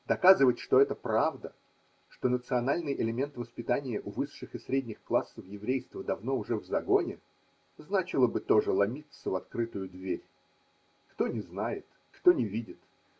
Доказывать, что это правда, что национальный элемент воспитания у высших и средних классов еврейства давно уже в загоне, – значило бы тоже ломиться в открытую дверь. Кто не знает, кто не видит?